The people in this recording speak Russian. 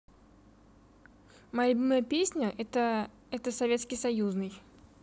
моя любимая песня у меня это это советский союзный